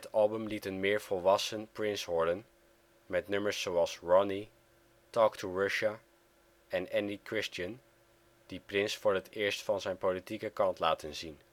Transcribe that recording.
album liet een meer volwassen Prince horen, met nummers zoals Ronnie, Talk To Russia en Annie Christian die Prince voor het eerst van zijn politieke kant laten zien